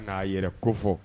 N'a yɛrɛ ko fɔ